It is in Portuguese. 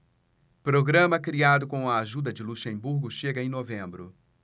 programa criado com a ajuda de luxemburgo chega em novembro